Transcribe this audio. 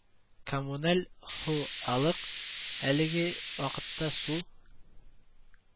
Коммуналь ху алык әлеге вакытта су